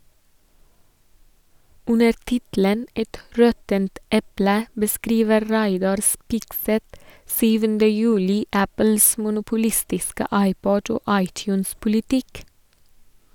Under tittelen «Et råttent eple» beskriver Reidar Spigseth 7. juli Apples monopolistiske iPod- og iTunes- politikk.